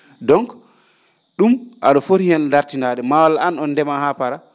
donc ?um a?o fori heen ndartinaade ma walla aan oon ndemaa haa para